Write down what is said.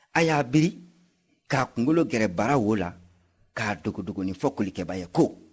a y'a biri k'a kunkolo gɛrɛ bara wo la ka dɔgɔdɔgɔninfɔ kolikɛba ye ko